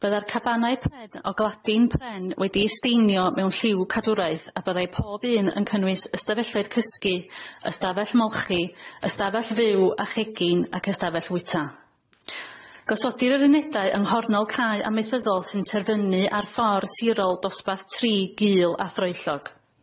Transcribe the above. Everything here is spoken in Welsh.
Byddai'r cabanau pren o gladin pren wedi'i steinio mewn lliw cadwraeth a byddai pob un yn cynnwys ystafelloedd cysgu, ystafell molchi, ystafell fyw a chegin, ac ystafell wita. Gosodir yr unedau yng nghornol cae amaethyddol sy'n terfynnu ar ffor sirol dosbarth tri gul a throellog.